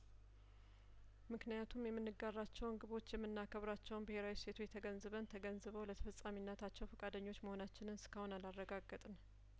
ምክንያቱም የምን ጋራቸውን ግቦች የምናከብራቸውን ብሄራዊ እሴቶች ተገንዝበን ተገንዝበው ለተፈጻሚነታቸው ፈቃደኞች መሆናችንን እስካሁን አላረጋገጥንም